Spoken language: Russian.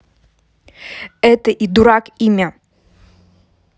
это и дурак имя